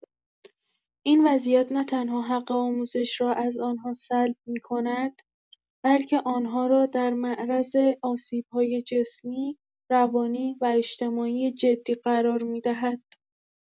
این وضعیت نه‌تنها حق آموزش را از آن‌ها سلب می‌کند، بلکه آن‌ها را در معرض آسیب‌های جسمی، روانی و اجتماعی جدی قرار می‌دهد.